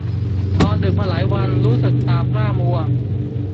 นอนดึกมาหลายวันรู้สึกตาพร่ามัว